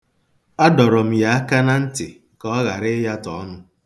Adọrọ m ya aka na ntị ka ọ ghara ịyatọ ọnụ.